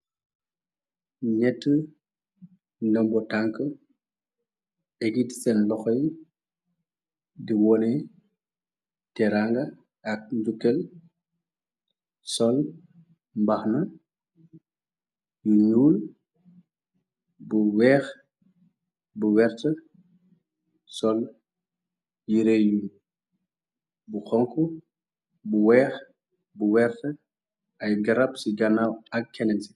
Nyetti ndombo tank egit seen loxoy di wone teranga ak njukkel sol mbaxna yu nuul bu weex bu werte sol yi rée yu bu xonku bu weex bu werte ay garab ci ganaaw ak kenes.